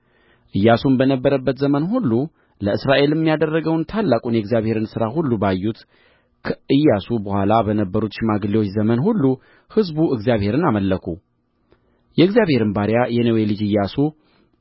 ኢያሱም በነበረበት ዘመን ሁሉ ለእስራኤልም ያደረገውን ታላቁን የእግዚአብሔርን ሥራ ሁሉ ባዩት ከኢያሱ በኋላ በነበሩ ሽማግሌዎች ዘመን ሁሉ ሕዝቡ እግዚአብሔርን አመለኩ የእግዚአብሔርም ባሪያ የነዌ ልጅ ኢያሱ